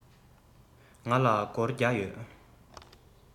ང ལ སྒོར བརྒྱ ཡོད